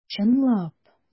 Чынлап!